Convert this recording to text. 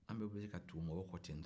an bɛ weele ka tugu mɔgɔw kɔ tentɔ